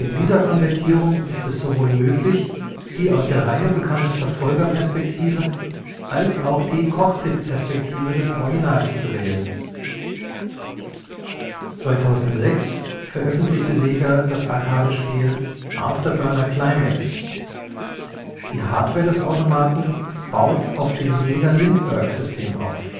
dieser Konvertierung ist es sowohl möglich die aus der Reihe bekannte Verfolgerperspektive als auch die Cockpitperspektive des Originals zu wählen. 2006 veröffentlichte Sega das Arcade-Spiel After Burner Climax. Die Hardware des Automaten baut auf dem Sega Lindbergh-System auf